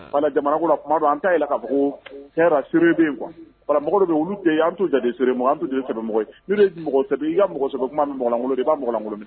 A jamana tuma an taɛlɛn kaere bɛ kuwa an anmɔgɔ mɔgɔsɛbɛ kuma mɔgɔkolon'kolon min